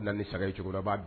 Bila ni sa